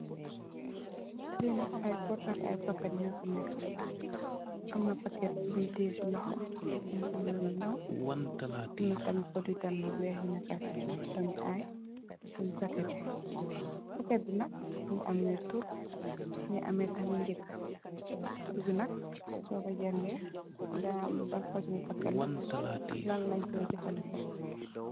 Li nak ay pot ak ay pakèt nyo fi nekka. Amna pakèt bun tè ci loho mungi ameh lu ñuul . Amna tamit pot yu tamit ay yung pakètè. Pakèt bi nak mungi ameh torr mungi ameh tamit njag. Torr bi nak soko jàngay daga ham li ban fasung pakèt la ak lan leen koy jafadeko.